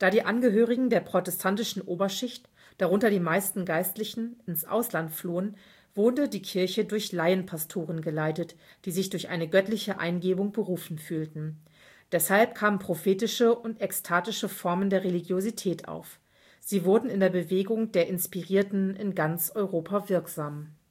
die Angehörigen der protestantischen Oberschicht, darunter die meisten Geistlichen, ins Ausland flohen, wurde die Kirche durch Laienpastoren geleitet, die sich durch eine göttliche Eingebung berufen fühlten. Deshalb kamen prophetische und ekstatische Formen der Religiosität auf. Sie wurden in der Bewegung der Inspirierten in ganz Europa wirksam